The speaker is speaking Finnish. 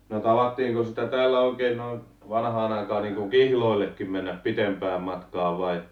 no tavattiinko sitä täällä oikein noin vanhaan aikaan niin kuin kihloillekin mennä pitempään matkaan vai